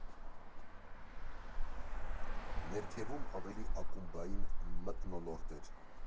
Ներքևում ավելի ակումբային մթնոլորտ էր։